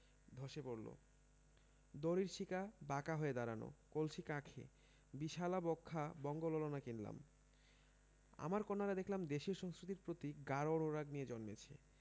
ধসে পড়ল দড়ির শিকা বাঁকা হয়ে দাঁড়ানো কলসি কাঁখে বিশালা বক্ষ বঙ্গ ললনা কিনলাম আমার কন্যারা দেখলাম দেশীয় সংস্কৃতির প্রতি গাঢ় অনুরাগ নিয়ে জন্মেছে